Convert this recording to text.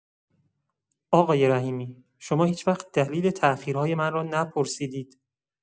آقای رحیمی، شما هیچ‌وقت دلیل تاخیرهای من را نپرسیدید.